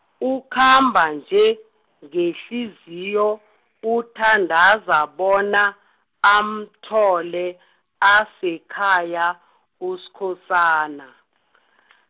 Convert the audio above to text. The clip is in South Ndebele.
ukhamba nje, ngehliziyo, uthandaza bona, amthole , asekhaya, Uskhosana .